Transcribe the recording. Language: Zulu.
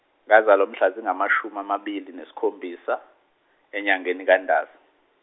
ngazalwa mhla zingamashumi amabili nesikhombisa, enyangeni kaNdasa.